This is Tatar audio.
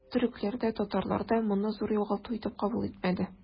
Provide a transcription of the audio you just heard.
Төрекләр дә, татарлар да моны зур югалту итеп кабул итмәде.